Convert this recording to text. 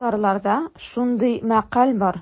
Татарларда шундый мәкаль бар.